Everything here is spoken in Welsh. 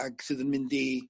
ag sydd yn mynd i